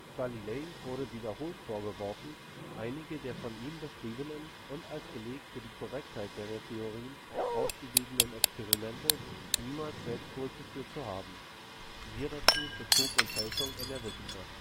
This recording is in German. Galilei wurde wiederholt vorgeworfen, einige der von ihm beschriebenen und als Beleg für die Korrektheit seiner Theorien ausgegebenen Experimente niemals selbst durchgeführt zu haben. Siehe dazu: Betrug und Fälschung in der Wissenschaft